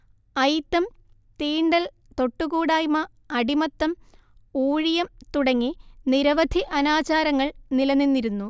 അയിത്തം തീണ്ടൽ തൊട്ടുകൂടായ്മ അടിമത്തം ഊഴിയം തുടങ്ങി നിരവധി അനാചാരങ്ങൾ നിലനിന്നിരുന്നു